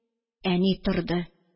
Әни торды